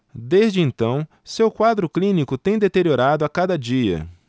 desde então seu quadro clínico tem deteriorado a cada dia